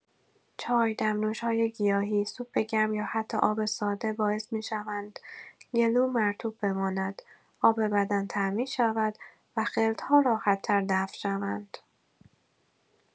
چای، دمنوش‌های گیاهی، سوپ گرم یا حتی آب ساده باعث می‌شوند گلو مرطوب بماند، آب بدن تأمین شود و خلط‌ها راحت‌تر دفع شوند.